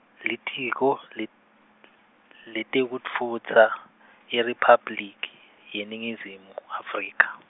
Litiko, let- leTekutfutsa IRiphabliki, yeNingizimu, Afrika.